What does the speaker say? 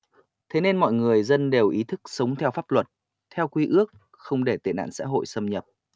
thế nên mọi người dân đều ý thức sống theo pháp luật theo quy ước không để các tệ nạn xã hội xâm nhập